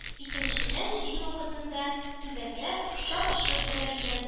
Икенчедән, җил вакытында түбәгә шап-шоп бәрелгән